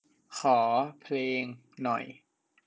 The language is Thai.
ขอเพลงหน่อย